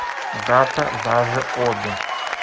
дата даже обе